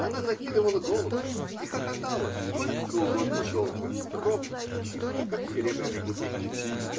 Она закидывала голову и хохотала сколько угодно долго, ровно и чисто, как серебряный бубенчик.